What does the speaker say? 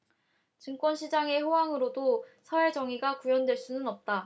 증권 시장의 호황으로도 사회 정의가 구현될 수는 없다